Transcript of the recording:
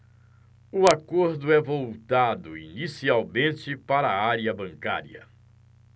o acordo é voltado inicialmente para a área bancária